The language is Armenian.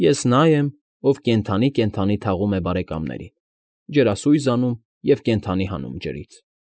Ես նա եմ, ով կենդանի֊կենդանի թաղում է բարեկամներին, ջրասույզ անում և կենդանի հանում ջրից։